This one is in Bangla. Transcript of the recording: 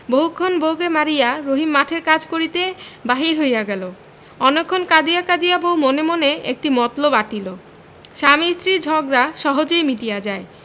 বহুক্ষণ বউকে মারিয়া রহিম মাঠের কাজ করিতে বাহির হইয়া গেল অনেকক্ষণ কাঁদিয়া কাঁদিয়া বউ মনে মনে একটি মতলব আঁটিল স্বামী স্ত্রীর ঝগড়া সহজেই মিটিয়া যায়